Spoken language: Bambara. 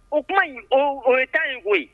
O kuma o ye ta ye koyi